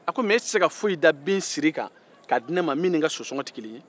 a ko mɛ e tɛ se ka foyi da bin siri kan k'a di ne man min ni sosɔgɔn tɛ kelen ye